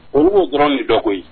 Olu b'o dɔrɔnw don koyi.